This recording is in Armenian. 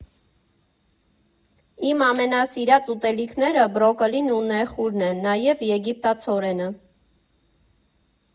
Իմ ամենասիրած ուտելիքները բրոկոլին ու նեխուրն են, նաև եգիպտացորենը։